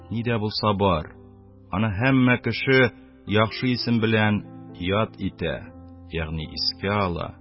Ни дә булса бар, аны һәммә кеше яхшы исем белән яд итә, ягъни искә ала